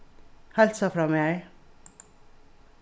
heilsa frá mær